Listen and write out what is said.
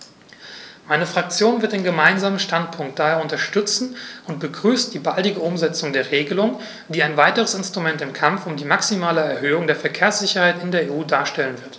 Meine Fraktion wird den Gemeinsamen Standpunkt daher unterstützen und begrüßt die baldige Umsetzung der Regelung, die ein weiteres Instrument im Kampf um die maximale Erhöhung der Verkehrssicherheit in der EU darstellen wird.